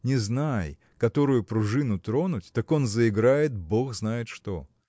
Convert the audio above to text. не знай, которую пружину тронуть, так он заиграет бог знает что.